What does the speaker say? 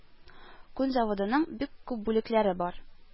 Күн заводының бик күп бүлекләре бар